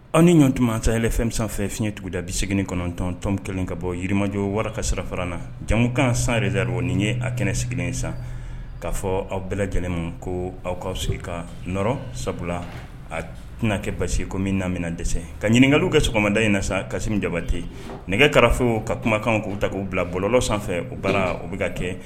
Aw ni ɲɔgɔn tunma ta yɛlɛ fɛn fiɲɛ tuguda bi segin kɔnɔntɔntɔn kelen ka bɔ yirimajɔ wara ka sira fara na jamumukan san yɛrɛ ni ye a kɛnɛ sigilen ye san k'a fɔ aw bɛɛ lajɛlen ma ko aw ka so i ka n nɔɔrɔ sabula a tɛna kɛ basi ko min namina dɛsɛ ka ɲininkakali kɛ sɔgɔmada in na sa ka jabate nɛgɛ kara ka kumakan kan k'u ta k' bila bɔlɔ sanfɛ o bala u bɛ ka kɛ